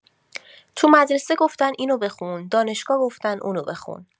تو مدرسه گفتن اینو بخون، دانشگاه گفتن اونو بخون.